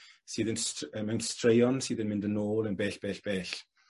sydd yn st- yy mewn straeon sydd yn mynd yn ôl yn bell bell bell.